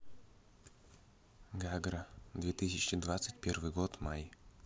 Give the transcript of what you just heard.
гагра две тысячи двадцать первый год май